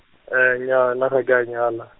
nyaa nna ga ke a nyala.